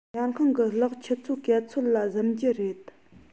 ཉལ ཁང གི གློག ཆུ ཚོད ག ཚོད ལ གཟིམ གྱི རེད